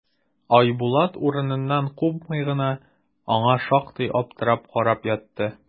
Айбулат, урыныннан купмый гына, аңа шактый аптырап карап ятты.